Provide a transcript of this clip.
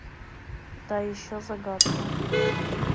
да еще загадку